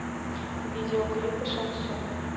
видеоклипы шансон